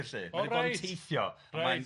'di bod teithio... Reit...